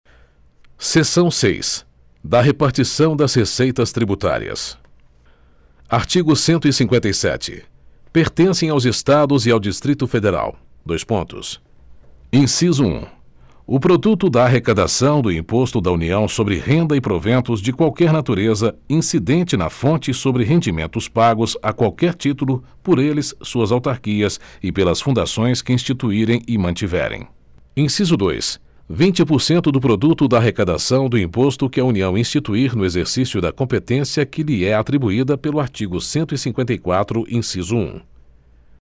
seção seis da repartição das receitas tributárias artigo cento e cinquenta e sete pertencem aos estados e ao distrito federal dois pontos inciso um o produto da arrecadação do imposto da união sobre renda e proventos de qualquer natureza incidente na fonte sobre rendimentos pagos a qualquer título por eles suas autarquias e pelas fundações que instituírem e mantiverem inciso dois vinte por cento do produto da arrecadação do imposto que a união instituir no exercício da competência que lhe é atribuída pelo artigo cento e cinquenta e quatro inciso um